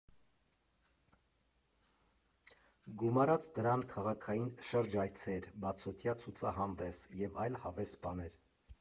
Գումարած դրան՝ քաղաքային շրջայցեր, բացօթյա ցուցահանդես և այլ հավես բաներ։